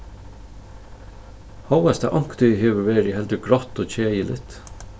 hóast tað onkuntíð hevur verið heldur grátt og keðiligt